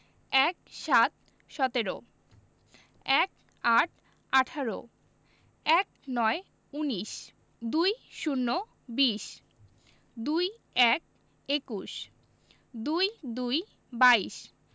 ১৭ - সতেরো ১৮ - আঠারো ১৯ - উনিশ ২০ - বিশ ২১ – একুশ ২২ – বাইশ